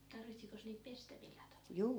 tarvitsikos niitä pestä millään tavoin